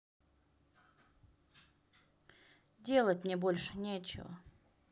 делать мне больше нечего